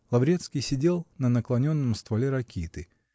Лаврецкий сидел на наклоненном стволе ракиты